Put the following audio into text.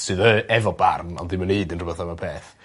sydd yy efo barn ond ddim neud urywbeth am y peth.